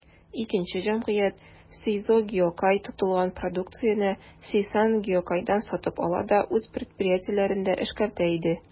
Икенче җәмгыять, «Сейзо Гиокай», тотылган продукцияне «Сейсан Гиокайдан» сатып ала да үз предприятиеләрендә эшкәртә иде.